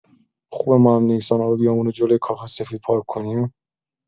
خوبه ما هم نیسان آبیامونو جلو کاخ سفید پارک کنیم؟